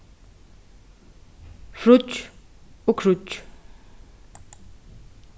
fríggj og kríggj